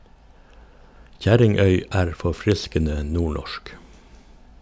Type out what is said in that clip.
Kjerringøy er forfriskende nordnorsk!